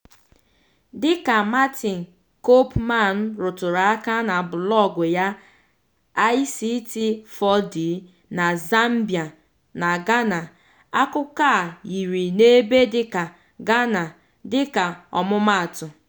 Dịka Martine Koopman rụtụrụ aka na blọọgụ ya ICT4D na Zambia na Ghana, akụkọ a yiri n'ebe dịka Ghana, dịka ọmụmaatụ.